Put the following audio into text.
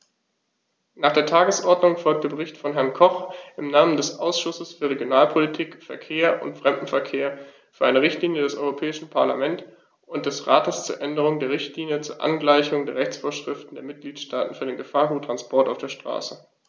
Nach der Tagesordnung folgt der Bericht von Herrn Koch im Namen des Ausschusses für Regionalpolitik, Verkehr und Fremdenverkehr für eine Richtlinie des Europäischen Parlament und des Rates zur Änderung der Richtlinie zur Angleichung der Rechtsvorschriften der Mitgliedstaaten für den Gefahrguttransport auf der Straße.